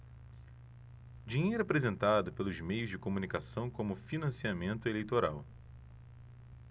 dinheiro apresentado pelos meios de comunicação como financiamento eleitoral